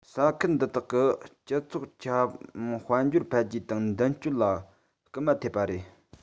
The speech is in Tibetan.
ས ཁུལ འདི དག གི སྤྱི ཚོགས དཔལ འབྱོར འཕེལ རྒྱས དང མདུན སྐྱོད ལ སྐུལ མ ཐེབས པ རེད